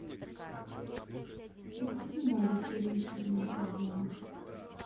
где снимали фильм чернобыль зона